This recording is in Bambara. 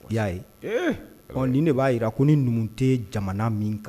I y'a ye ɔ ni de b'a jira ko ni numu tɛ jamana min kan